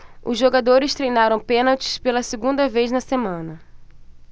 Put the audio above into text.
os jogadores treinaram pênaltis pela segunda vez na semana